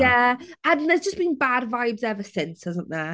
Ie and there's just been bad vibes ever since hasn't there?